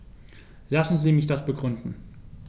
Lassen Sie mich das begründen.